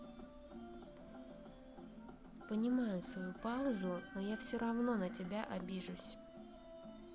понимаю свою паузу но я все равно на тебя обижусь